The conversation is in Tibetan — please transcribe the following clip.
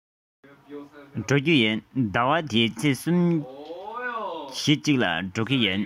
ད དུང སོང མེད ཟླ བ འདིའི ཚེས གསུམ བཞིའི གཅིག ལ འགྲོ གི ཡིན